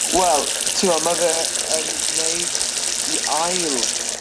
Wel t'mo' ma' fe yn neud 'i ail